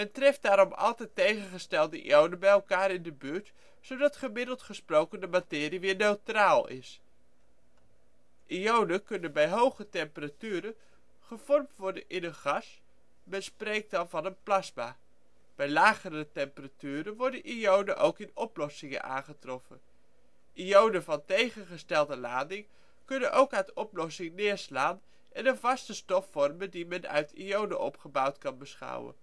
treft daarom altijd tegengestelde ionen bij elkaar in de buurt zodat gemiddeld gesproken de materie weer neutraal is (wet van behoud van lading). Ionen kunnen bij hoge temperaturen gevormd worden in een gas, men spreekt dan van een plasma. Bij lagere temperaturen worden ionen ook in oplossingen aangetroffen. Ionen van tegengestelde lading kunnen ook uit oplossing neerslaan en een vaste stof vormen die men uit ionen opgebouwd kan beschouwen